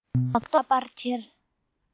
ལག ཐོགས ཁ པར འཁྱེར